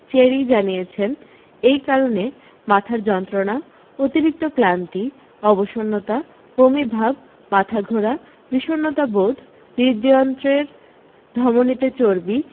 cherry জানিয়েছেন এই কারণে মাথার যন্ত্রণা অতিরিক্ত ক্লান্তি অবসন্নতা বমিভাব মাথাঘোরা বিষণ্ণতাবোধ হৃদ্যন্ত্রের ধমনিতে চর্বি